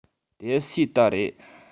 དེ སུའུ རྟ རེད